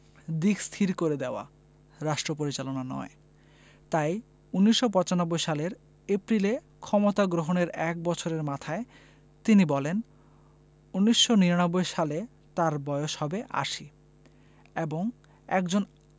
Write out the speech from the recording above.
দিক স্থির করে দেওয়া রাষ্ট্রপরিচালনা নয় তাই ১৯৯৫ সালের এপ্রিলে ক্ষমতা গ্রহণের এক বছরের মাথায় তিনি বলেন ১৯৯৯ সালে তাঁর বয়স হবে আশি এবং একজন